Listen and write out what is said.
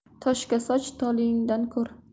toshga soch toleyingdan ko'r